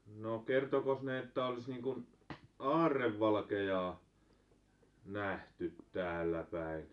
no kertoikos ne että olisi niin kuin aarrevalkeaa nähty täällä päin